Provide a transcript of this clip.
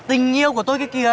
tình yêu của tôi kia kìa